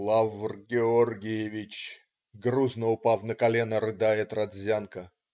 Лавр Георгиевич!" - грузно упав на колено, рыдает Родзянко.